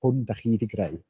Hwn dach chi 'di'i greu.